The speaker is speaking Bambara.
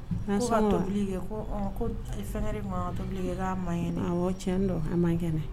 Nasɔngɔn wa? Ko ka tobili kɛ ko ɔn ko fɛnkɛ de kun ka kan tobili kɛ k'a mankɛnɛ; Awɔ, tiɲɛ don,,a mankɛnɛ.